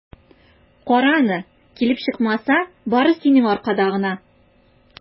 Кара аны, килеп чыкмаса, бары синең аркада гына!